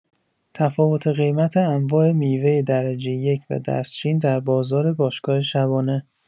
تفاوت قیمت انواع میوه درجه یک و دستچین در بازار باشگاه شبانه